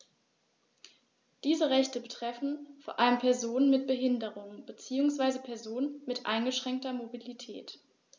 Diese Rechte betreffen vor allem Personen mit Behinderung beziehungsweise Personen mit eingeschränkter Mobilität.